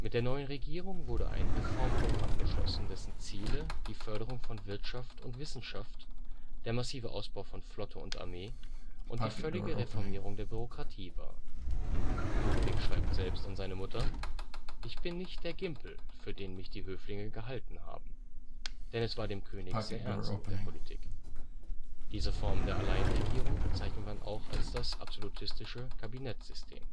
der neuen Regierung wurde ein Reformprogramm beschlossen, dessen Ziele die Förderung von Wirtschaft und Wissenschaft, der massive Ausbau von Flotte und Armee und die völlige Reformierung der Bürokratie war. Ludwig schreibt selbst an seine Mutter: „ Ich bin nicht der Gimpel, für den mich die Höflinge gehalten haben… “, denn es war dem König sehr ernst mit der Politik. Diese Form der Alleinregierung bezeichnet man auch als das absolutistische Kabinettsystem